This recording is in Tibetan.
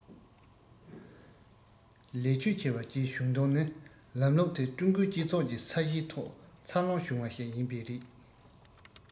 ལས ཕྱོད ཆེ བ བཅས བྱུང དོན ནི ལམ ལུགས དེ ཀྲུང གོའི སྤྱི ཚོགས ཀྱི ས གཞིའི ཐོག འཚར ལོངས བྱུང བ ཞིག ཡིན པས རེད